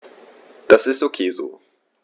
Das ist ok so.